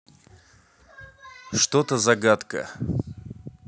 что то загадка